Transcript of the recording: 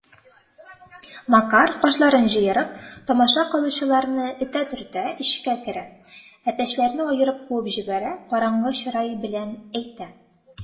Макар, кашларын җыерып, тамаша кылучыларны этә-төртә эчкә керә, әтәчләрне аерып куып җибәрә, караңгы чырай белән әйтә: